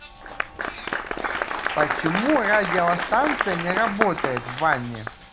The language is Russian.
почему радиостанция не работает в ване